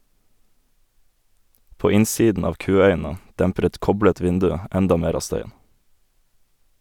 På innsiden av kuøynene demper et koblet vindu enda mer av støyen.